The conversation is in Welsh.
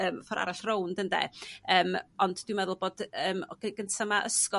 yym ffor' arall rownd ynde? Yym ond dwi'n meddwl bod yym gynta' ma' ysgol